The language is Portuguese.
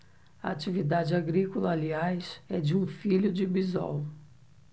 a atividade agrícola aliás é de um filho de bisol